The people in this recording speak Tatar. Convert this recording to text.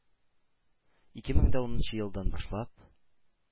Ике мең дә унынчы елдан башлап